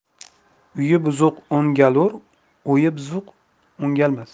uyi buzuq o'ngalur o'yi buzuq o'ngalmas